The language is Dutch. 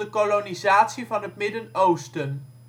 kolonisatie van het Midden-Oosten